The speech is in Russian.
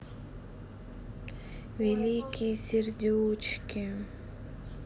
великие сердючки